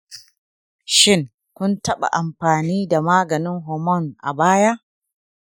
shin, kun taɓa amfani da maganin hormone a baya?